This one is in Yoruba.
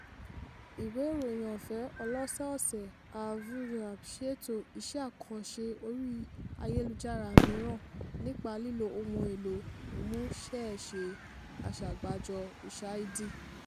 Ìwé ìròyìn ọ̀fẹ́ ọlọ́sọ̀ọ̀sẹ̀ A Verdade ṣètò iṣẹ́ àkànṣe orí ayélujára mìíràn, nípa lílo ohun èlò ìmúṣẹ́ṣe aṣàgbàjọ Ushaidi [pt].